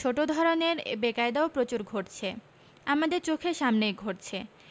ছোট ধরনের বেকায়দাও প্রচুর ঘটছে আমাদের চোখের সামনেই ঘটছে